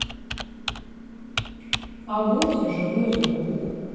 агутин живой звук